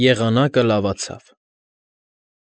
Եղանակը լավացավ։